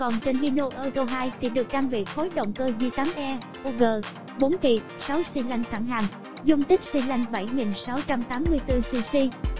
còn trên hino euro thì được trang bị khối động cơ diesel j eug kỳ xi lanh thẳng hàng dung tích xi lanh cc